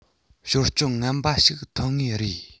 ཞོར སྐྱོན ངན པ ཞིག ཐོན ངེས རེད